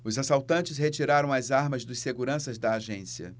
os assaltantes retiraram as armas dos seguranças da agência